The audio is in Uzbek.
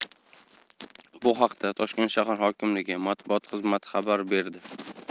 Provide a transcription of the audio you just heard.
bu haqda toshkent shahar hokimligi matbuot xizmati xabar berdi